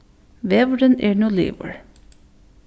vegurin er nú liðugur